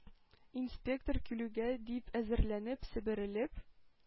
Инспектор килүгә дип әзерләнеп себерелеп